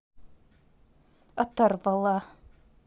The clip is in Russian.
оторвала